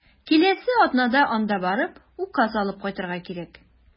Киләсе атнада анда барып, указ алып кайтырга кирәк.